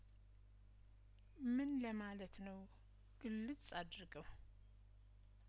ምን ለማለት ነው ግልጽ አድርገው